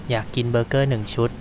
อยากกินเบอร์เกอร์หนึ่งชุด